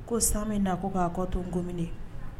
Ko san min na ko ko kɔ to n kom